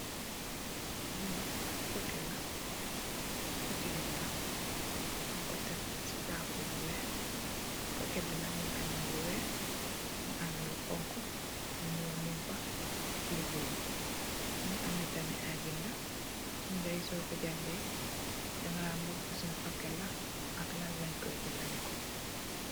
Li nak packet la. Packet ti garap nyung ko tek si taable bu wheh packet bi nak mugi ameh lu wheh mugi ameh lu khonkho lu nyul mung fa ak lu bluah. Mugi ameh tamit ai binda, binda yi sorko njangeh dagaham ban fosong packet la ak lan lenj ko jahfadiko.